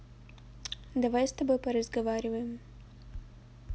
давай с тобой поразговариваем